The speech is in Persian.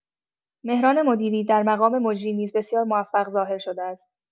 مهران مدیری در مقام مجری نیز بسیار موفق ظاهر شده است.